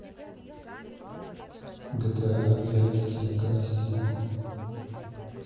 гта опять стенка на стенку